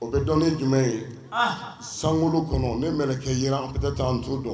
O be dɔn ni jumɛn ye ɔnh saŋolo kɔnɔ ni mɛlɛkɛ yɛra an peut-être an t'o dɔn